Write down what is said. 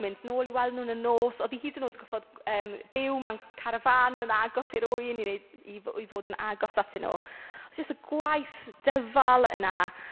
Mynd nôl i weld nhw yn y nos. Oedd hi hyd yn oed gorfod yym byw mewn carafan yn agos i'r ŵyn i wneud... i fo- i fod yn agos atyn nhw jyst y gwaith dyfal yna.